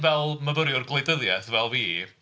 Fel myfyriwr gwleidyddiaeth fel fi...